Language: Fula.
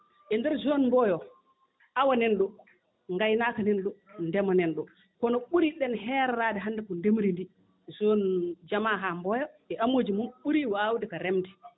e ndeer zone Mboyo o awo nan ɗoo ngaynaaka nan ɗoo ndema nan ɗoo kono ɓurirɗen heeroraade hannde ko ndemri ndii zone Jamaa haa Mboya e amooji mum ɓuri waawde ko remde